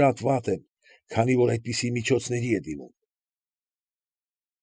Շատ վատ են, քանի որ այդպիսի միջոցների է դիմում։